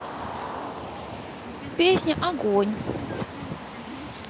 песня огонь